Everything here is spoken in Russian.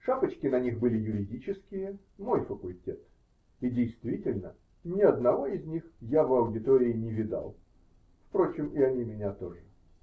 Шапочки на них были юридические -- мой факультет -- и, действительно, ни одного из них я в аудитории не видал впрочем, и они меня тоже.